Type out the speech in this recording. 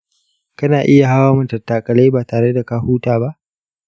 kana iya hawa matattakalai ba tare da ka huta ba?